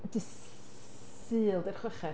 Dydd Sul ydy'r chweched.